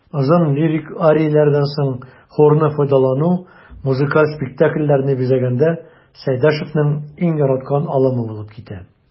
Озын лирик арияләрдән соң хорны файдалану музыкаль спектакльләрне бизәгәндә Сәйдәшевнең иң яраткан алымы булып китә.